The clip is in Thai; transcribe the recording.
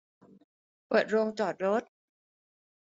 เปิดโรงจอดรถ